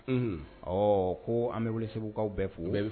Un ɔ ko an bɛ wuli segukaw bɛɛ fo